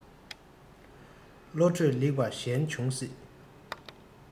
བློ གྲོས ལེགས པ གཞན འབྱུང སྲིད